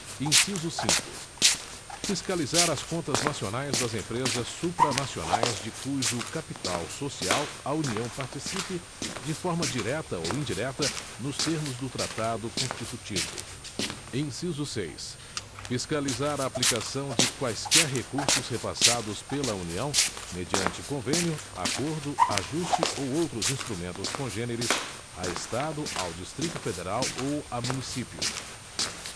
inciso cinco fiscalizar as contas nacionais das empresas supranacionais de cujo capital social a união participe de forma direta ou indireta nos termos do tratado constitutivo inciso seis fiscalizar a aplicação de quaisquer recursos repassados pela união mediante convênio acordo ajuste ou outros instrumentos congêneres a estado ao distrito federal ou a município